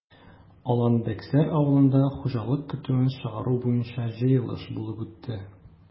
Алан-Бәксәр авылында хуҗалык көтүен чыгару буенча җыелыш булып үтте.